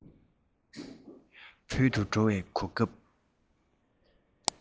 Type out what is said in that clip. བོད དུ འགྲོ བའི གོ སྐབས